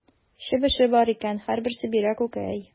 Чебеше бар икән, һәрберсе бирә күкәй.